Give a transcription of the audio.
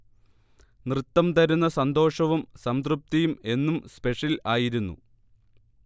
നൃത്തം തരുന്ന സന്തോഷവും സംതൃപ്തിയും എന്നും സ്പെഷൽ ആയിരുന്നു